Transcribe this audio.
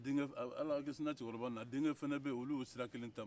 ala ka hinɛ cɛkɔrɔba in na a denkɛw fana bɛ yen olu y'o sira kelen taama